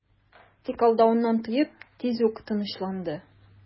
Тик алдануын тоеп, тиз үк тынычланды...